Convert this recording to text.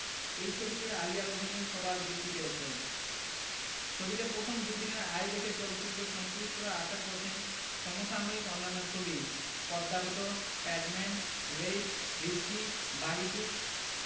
এই ছবিতে আলিয়ার অভিনয়ে সবার দৃষ্টি কেড়েছে ছবিটার প্রথম দুইদিনের আয় দেখে চলচ্চিত্র সংশ্লিষ্টরা আশা করছেন সম সাময়িক অন্যান্য ছবি পদ্মাবত প্যাডম্যান রেইড হিচকি বাঘী টু